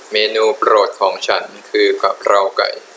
เมนูโปรดของฉันคือกะเพราไก่